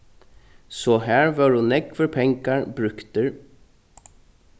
so har vórðu nógvir pengar brúktir